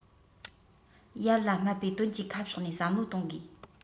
ཡར ལ སྨད པའི དོན གྱི ཁ ཕྱོགས ནས བསམ བློ གཏོང དགོས